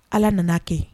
Ala nana kɛ